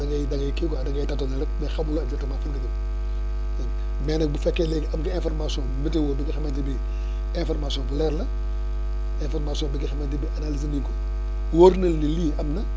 dangay dangay kii quoi dangay tatoné rek mais xamuloo exactement fi nga jëm dégg nga mais nag bu fekkee léegi am nga information météo bi nga xam ne bii information bu leer la information bi nga xamante ni analysé nañ ko wóor na la ni lii am na